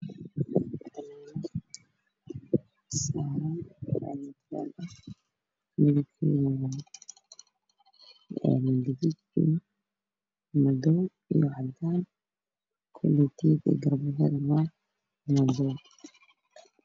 Meeshaan waxaa taalo fanaanad cusub oo isku jirto madow iyo caddaan korkeedana waa madow